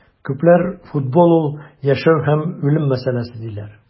Күпләр футбол - ул яшәү һәм үлем мәсьәләсе, диләр.